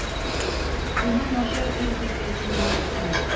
Сине начар ир дип әйтүемә үкенәм.